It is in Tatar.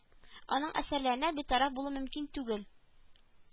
Аның әсәрләренә битараф булу мөмкин түгел